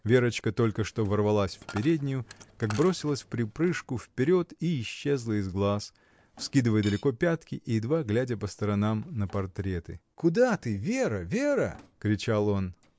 Верочка только что ворвалась в переднюю, как бросилась вприпрыжку вперед и исчезла из глаз, вскидывая далеко пятки и едва глядя по сторонам, на портреты. — Куда ты, Вера, Вера? — кричал он.